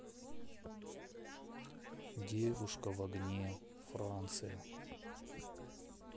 девушка в огне франция